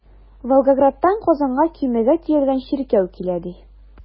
Волгоградтан Казанга көймәгә төялгән чиркәү килә, ди.